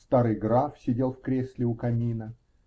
Старый граф сидел в кресле у камина.